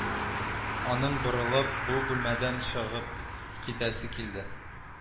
Аның борылып бу бүлмәдән чыгып китәсе килде